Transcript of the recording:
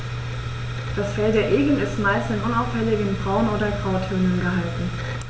Das Fell der Igel ist meist in unauffälligen Braun- oder Grautönen gehalten.